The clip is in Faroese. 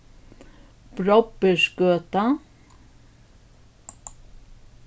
brobbersgøta